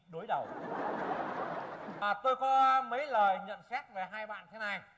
đối đầu à tôi có mấy lời nhận xét về hai bạn thế này